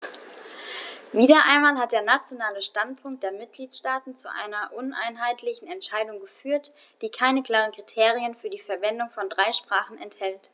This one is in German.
Wieder einmal hat der nationale Standpunkt der Mitgliedsstaaten zu einer uneinheitlichen Entscheidung geführt, die keine klaren Kriterien für die Verwendung von drei Sprachen enthält.